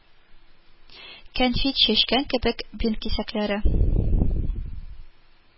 Кәнфит чәчкән кебек, бинт кисәкләре